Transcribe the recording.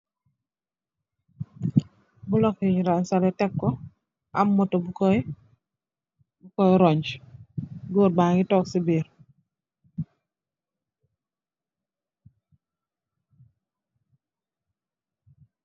Bulok yun ranseleh tek ko am motto bu koy roñ gór ba ngi tóóg ci biir.